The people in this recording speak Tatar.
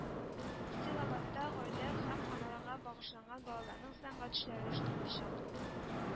Стилобатта гаилә һәм аналарга багышланган балаларның сәнгать эшләре оештырылачак